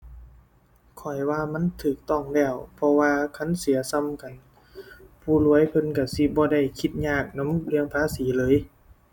ข้อยว่ามันถูกต้องแล้ว เพราะว่าคันเสียส่ำกัน ผู้รวยเพิ่นถูกสิบ่ได้คิดยากนำเรื่องภาษีเลย